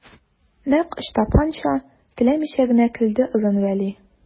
Нәкъ Ычтапанча теләмичә генә көлде Озын Вәли.